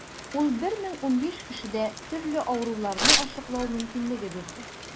Ул 1015 кешедә төрле авыруларны ачыклау мөмкинлеге бирде.